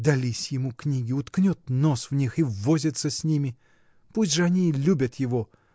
Дались ему книги, уткнет нос в них и возится с ними. Пусть же они и любят его!